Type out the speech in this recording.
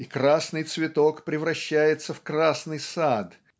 и красный цветок превращается в красный сад